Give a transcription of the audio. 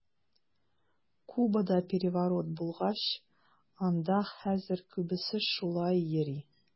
Кубада переворот булгач, анда хәзер күбесе шулай йөри.